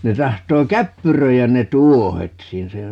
ne tahtoo käppyröidä ne tuohet siinä siinä ne